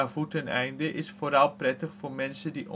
voeteneinde is vooral prettig voor mensen die